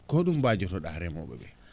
ko ho?um mbaajoto?aa remoo?e ?ee